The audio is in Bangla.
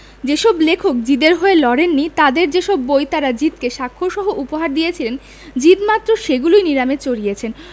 যে সব লেখক জিদের হয়ে লড়েননি তাঁদের যে সব বই তাঁরা জিদকে স্বাক্ষরসহ উপহার দিয়েছিলেন জিদ মাত্র সেগুলোই নিলামে চড়িয়েছেন